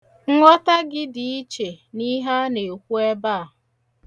Nghọta gị dị iche n'ihe a na-ekwu ebe a.